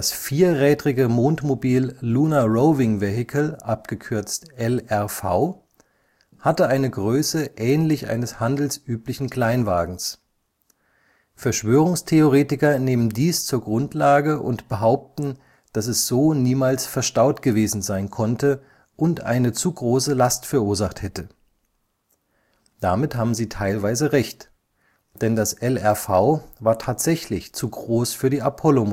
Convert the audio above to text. vierrädrige Mondmobil Lunar Roving Vehicle (LRV) hatte eine Größe ähnlich eines handelsüblichen Kleinwagens. Verschwörungstheoretiker nehmen dies zur Grundlage und behaupten, dass es so niemals verstaut gewesen sein konnte und eine zu große Last verursacht hätte. Damit haben sie teilweise recht, denn das LRV war tatsächlich zu groß für die Apollo-Module